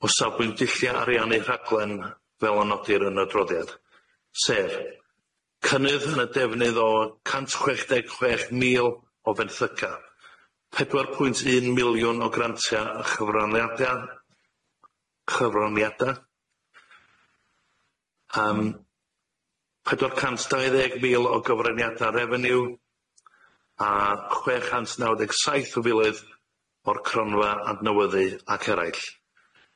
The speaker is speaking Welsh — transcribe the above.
O safbwynt dullia' ariannu rhaglen fel anodir yn adroddiad sef: cynnydd yn y defnydd o cant chwech deg chwech mil o fenthyga, pedwar pwynt un miliwn o grantia a chyfraniada chyfraniada yym pedwar cant dau ddeg mil o gyfraniada refeniw a chwech cant naw deg saith o filoedd o'r cronfa adnewyddu ac eraill.